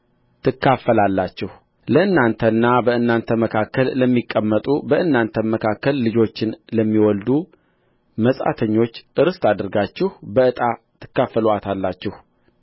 ትካፈላላችሁ ለእናንተና በእናንተ መካከል ለሚቀመጡ በእናንተም መካከል ልጆችን ለሚወልዱ መጻተኞች ርስት አድርጋችሁ በዕጣ ትካፈሉአታላችሁ